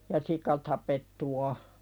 ja sika tapettu on